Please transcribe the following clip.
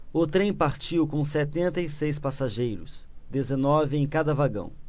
o trem partiu com setenta e seis passageiros dezenove em cada vagão